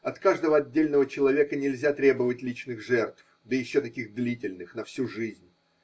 От каждого отдельного человека нельзя требовать личных жертв, да еще таких длительных, на всю жизнь.